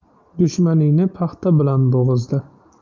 dushmaningni paxta bilan bo'g'izla